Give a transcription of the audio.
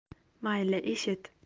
mayli eshit